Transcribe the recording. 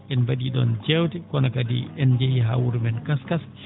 en mba?ii ?oon njeewte kono kadi en njehii haa wuro men Kaskas